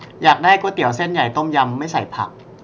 อยากได้ก๋วยเตี๋ยวเส้นใหญ่ต้มยำไม่ใส่ผัก